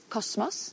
cosmos